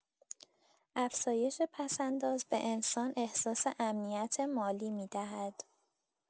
افزایش پس‌انداز به انسان احساس امنیت مالی می‌دهد.